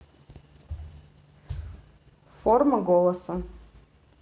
форма голоса